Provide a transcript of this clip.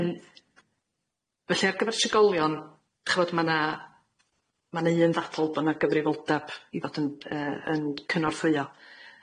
Yym felly ar gyfer trigolion ch'mod ma' na ma' na un ddadl bo' na gyfrifoldab i fod yn yy yn cynorthwyo.